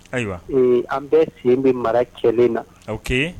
Ayiwa ee an bɛ fi bɛ mara cɛ na o